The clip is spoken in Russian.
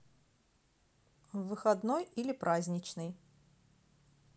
в выходной или праздничный